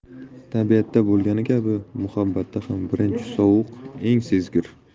tabiatda bo'lgani kabi muhabbatda ham birinchi sovuq eng sezgir